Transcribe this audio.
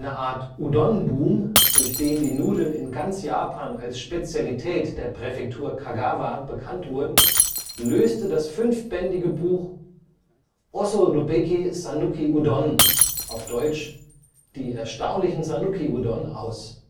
Art „ Udon-Boom “, durch den die Nudeln in ganz Japan als Spezialität der Präfektur Kagawa bekannt wurden, löste das fünfbändige Buch Osorubeki Sanuki Udon (恐るべきさぬきうどん, deutsch: „ Die erstaunlichen Sanuki Udon “) aus